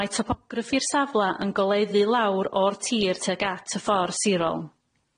Mae topograffi'r safla yn goleuddu lawr o'r tir tuag at y ffor sirol.